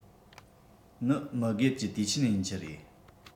ནི མི སྒེར གྱི དུས ཆེན ཡིན གྱི རེད